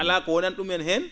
alaa ko wonani ?umen heen